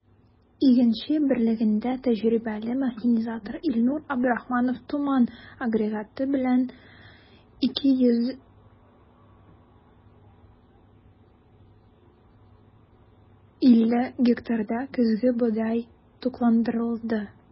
“игенче” берлегендә тәҗрибәле механизатор илнур абдрахманов “туман” агрегаты белән 250 гектарда көзге бодай тукландырды.